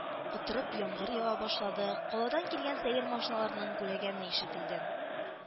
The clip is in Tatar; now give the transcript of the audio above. Котырып яңгыр ява башлады, каладан килгән сәер машиналарның гүләгәне ишетелде